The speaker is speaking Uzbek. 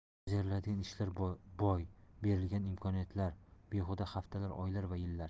bajariladigan ishlar boy berilgan imkoniyatlar behuda haftalar oylar va yillar